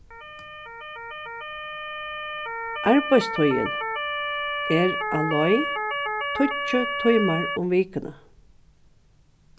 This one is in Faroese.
arbeiðstíðin er á leið tíggju tímar um vikuna